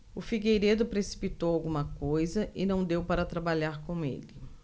o figueiredo precipitou alguma coisa e não deu para trabalhar com ele